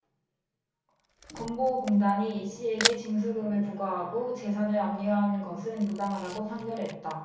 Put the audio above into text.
건보공단이 이씨에게 징수금을 부과하고 재산을 압류한 것은 부당하다고 판결했다